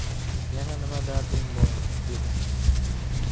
yana nima darding bor dedi